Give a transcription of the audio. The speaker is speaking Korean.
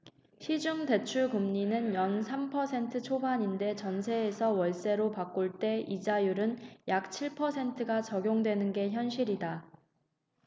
시중 대출금리는 연 삼 퍼센트 초반인데 전세에서 월세로 바꿀 때 이자율은 약 칠 퍼센트가 적용되는 게 현실이다